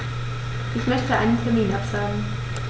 Ich möchte einen Termin absagen.